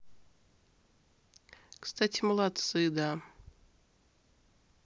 кстати молодцы да